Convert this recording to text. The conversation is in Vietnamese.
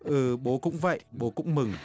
ừ bố cũng vậy bố cũng mừng